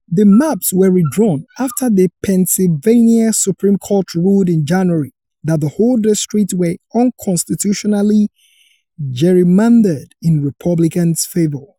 The maps were redrawn after the Pennsylvania Supreme Court ruled in January that the old districts were unconstitutionally gerrymandered in Republicans' favor.